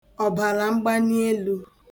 ọ̀bàlàmgbanielū